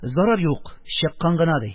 Зарар юк, чыккан гына, - ди.